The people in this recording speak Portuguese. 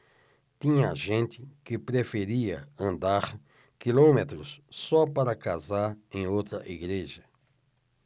tinha gente que preferia andar quilômetros só para casar em outra igreja